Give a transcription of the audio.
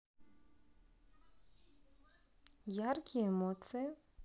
яркие эмоции